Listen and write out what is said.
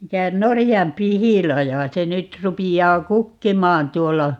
mikä norjanpihlaja se nyt rupeaa kukkimaan tuolla